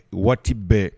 Waati bɛɛ